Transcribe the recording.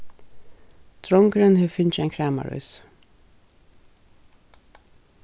drongurin hevur fingið ein kramarís